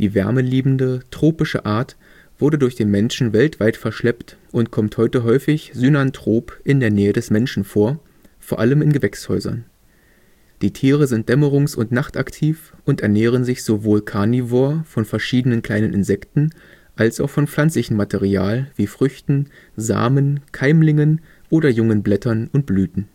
wärmeliebende, tropische Art wurde durch den Menschen weltweit verschleppt und kommt heute häufig synanthrop in der Nähe des Menschen vor, vor allem in Gewächshäusern. Die Tiere sind dämmerungs - und nachtaktiv und ernähren sich sowohl karnivor von verschiedenen kleinen Insekten, als auch von pflanzlichem Material wie Früchten, Samen, Keimlingen oder jungen Blättern und Blüten